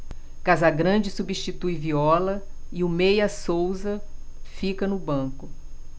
casagrande substitui viola e o meia souza fica no banco